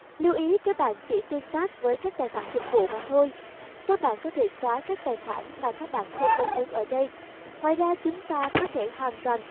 lưu ý các bạn chỉ tương tác với các tài khoản dịch vụ mà thôi các bạn có thể xóa các tài khoản mà các bạn không mong muốn ở đây ngoài ra chúng ta có thể hoàn toàn